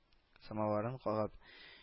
Самаварын кабап